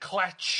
Cletch.